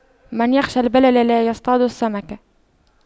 من يخشى البلل لا يصطاد السمك